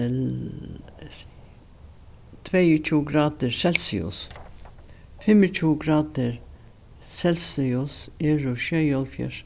l s tveyogtjúgu gradir celsius fimmogtjúgu gradir celsius eru sjeyoghálvfjerðs